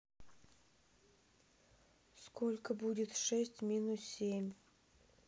сколько будет шесть минус семь